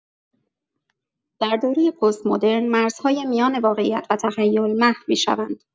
در دوره پست‌مدرن، مرزهای میان واقعیت و تخیل محو می‌شوند.